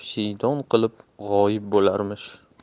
shiydon qilib g'oyib bo'larmish